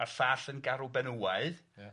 A'r llall yn garw benywaidd. Ia.